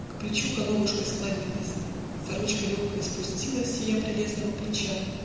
К плечу головушкой склонилась, Сорочка легкая спустилась С ее прелестного плеча.